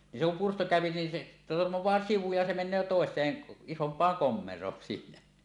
niin se kun pyrstö käy niin se törmää sivu ja se menee toiseen isompaan komeroon sillä